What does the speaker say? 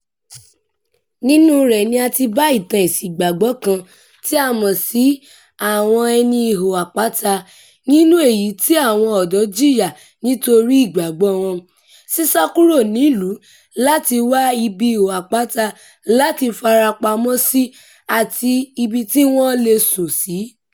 Nínúu rẹ̀ ni a ti bá ìtàn Ẹ̀sìn ìgbàgbọ́ kan tí a mọ̀ sí "Àwọn ẹni Ihò-àpáta", nínú èyí tí àwọn ọ̀dọ́ jìyà nítorí ìgbàgbọ́ọ wọ́n, sísà kúrò nílùú láti wá ibí ihò-àpáta láti farapamọ́ sí àti ibi tí wọ́n lè sùn sí.